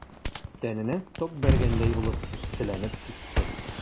Тәненә ток бәргәндәй булып эсселәнеп китте.